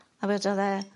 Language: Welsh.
A fe wedodd e